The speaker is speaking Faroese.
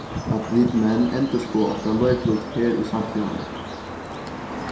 at vit menn endurskoða okkara leiklut her í samfelagnum